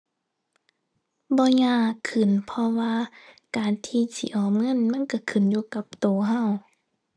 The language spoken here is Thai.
บ่ยากขึ้น เพราะว่าการที่สิเอาเงินมันก็ขึ้นอยู่กับก็ก็